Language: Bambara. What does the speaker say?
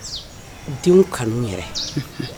Denw kanu yɛrɛ